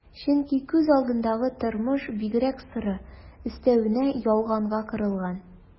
Чөнки күз алдындагы тормыш бигрәк соры, өстәвенә ялганга корылган...